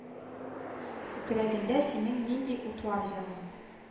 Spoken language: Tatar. Күкрәгеңдә синең нинди утлар яна